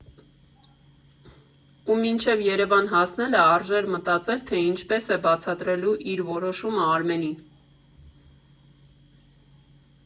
Ու մինչև Երևան հասնելը արժեր մտածել, թե ինչպես է բացատրելու իր որոշումը Արմենին։